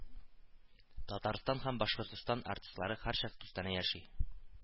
Татарстан һәм Башкортстан артистлары һәрчак дустанә яши